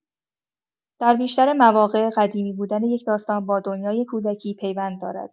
در بیشتر مواقع قدیمی بودن یک داستان با دنیای کودکی پیوند دارد.